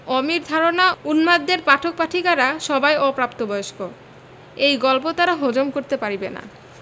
অমির ধারণা উন্মাদদের পাঠক পাঠিকারা সবাই অপ্রাতবয়স্ক এই গল্প তারা হজম করতে পারিবে না